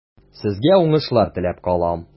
Сезгә уңышлар теләп калам.